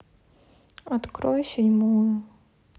открой седьмую